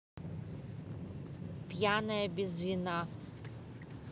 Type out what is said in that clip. пьяная без вина